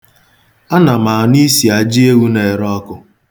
Ana m anụ isi ajị ewu na-ere ọkụ.